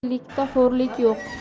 erlikda xo'rlik yo'q